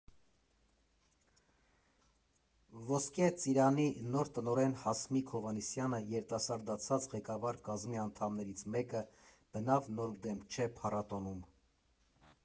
Ոսկե ծիրանի նոր տնօրեն Հասմիկ Հովհաննիսյանը՝ երիտասարդացած ղեկավար կազմի անդամներից մեկը, բնավ նոր դեմք չէ փառատոնում.